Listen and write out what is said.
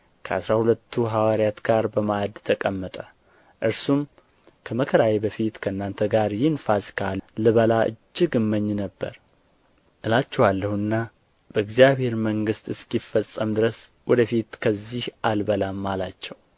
ከአሥራ ሁለቱ ሐዋርያት ጋር በማዕድ ተቀመጠ እርሱም ከመከራዬ በፊት ከእናንተ ጋር ይህን ፋሲካ ልበላ እጅግ እመኝ ነበር እላችኋለሁና በእግዚአብሔር መንግሥት እስኪፈጸም ድረስ ወደ ፊት ከዚህ አልበላም አላቸው